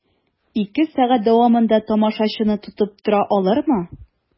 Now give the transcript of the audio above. Ике сәгать дәвамында тамашачыны тотып тора алырмы?